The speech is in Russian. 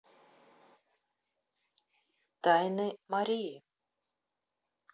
тайны марии